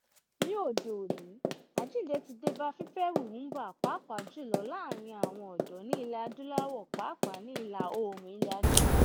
Ní òde òní, àjíǹde ti débá fífẹ́ Rhumba, pàápàá jùlọ láàárín àwọn ọ̀dọ́ ní Ilẹ̀ Adúláwò pàápàá ní Ìlà-oòrùn Ilẹ̀ Adúláwò.